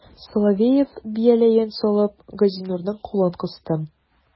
Соловеев, бияләен салып, Газинурның кулын кысты.